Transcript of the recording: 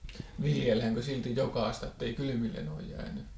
viljelläänkö silti jokaista että ei kylmilleen olet jäänyt